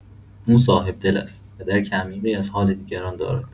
او صاحب‌دل است و درک عمیقی از حال دیگران دارد.